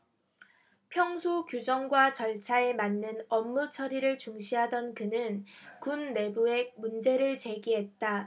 평소 규정과 절차에 맞는 업무 처리를 중시하던 그는 군 내부에 문제를 제기했다